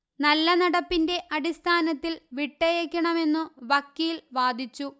നല്ലനടപ്പിന്റെ അടിസ്ഥാനത്തില് വിട്ടയ്ക്കണമെന്നു വക്കീല് വാദിച്ചു